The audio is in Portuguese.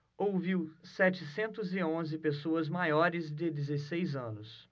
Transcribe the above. ouviu setecentos e onze pessoas maiores de dezesseis anos